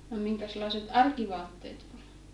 no minkäslaiset arkivaatteet oli